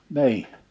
niin